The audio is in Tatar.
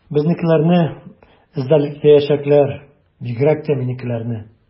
Безнекеләрне эзәрлекләячәкләр, бигрәк тә минекеләрне.